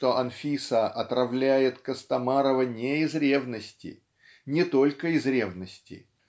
что Анфиса отравляет Костомарова не из ревности не только из ревности